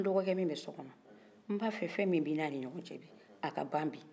i dɔgɔkɛ min bɛ sokɔnɔn n b'a fɛ fɛ min b'a ni ɲɔgɔn cɛ a ka ban bi